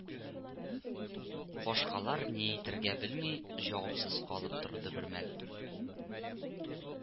Башкалар, ни әйтергә белми, җавапсыз калып торды бер мәл